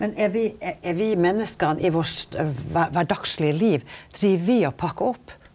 men er vi er er vi menneske i vårt kvardagslege liv, driv vi og pakkar opp?